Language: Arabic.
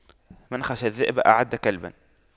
من خشى الذئب أعد كلبا